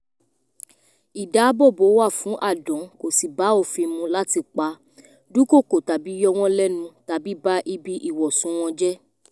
Ìdáàbòbò wà fún àdán kò sì bá òfin mu láti pa, dúkokò tàbi yọ wọ́n lẹ́nu tàbí ba ibi ìwọ̀sùn wọn jẹ́.